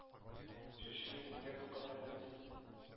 Чәчегез нигә бу кадәр рәтсез